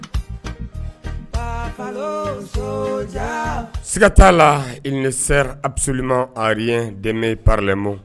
Siga t'a la i se a bisimilaliman ay dɛmɛ parrɛmo